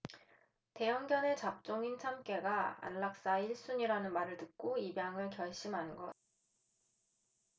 대형견에 잡종인 참깨가 안락사 일 순위라는 말을 듣고 입양을 결심한 것